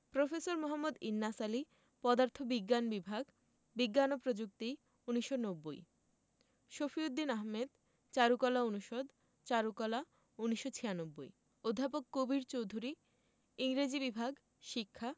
professor মোঃ ইন্নাস আলী পদার্থবিজ্ঞান বিভাগ বিজ্ঞান ও প্রযুক্তি ১৯৯০ শফিউদ্দীন আহমেদ চারুকলা অনুষদ চারুকলা ১৯৯৬ অধ্যাপক কবীর চৌধুরী ইংরেজি বিভাগ শিক্ষা